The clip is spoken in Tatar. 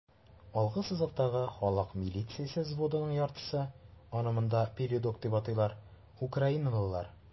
Алгы сызыктагы халык милициясе взводының яртысы (аны монда "передок" дип атыйлар) - украиналылар.